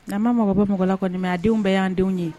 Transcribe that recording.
Na ma mɔgɔ bɛ mɔgɔla kɔnimi a denw bɛɛ y' denw ye